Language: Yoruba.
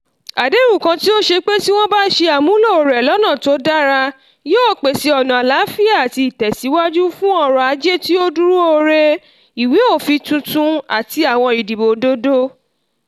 Àdéhùn kan tí ó ṣe pé tí wọ́n bá ṣe àmúlò rẹ̀ lọ́nà tó dára, yóò pèsè ọ̀nà àlàáfíà àti tẹ̀síwájú fún ọrọ̀ ajé tí ó dúró re, ìwé òfin tuntun àti àwọn ìdìbò òdodo.